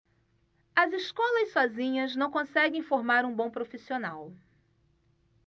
as escolas sozinhas não conseguem formar um bom profissional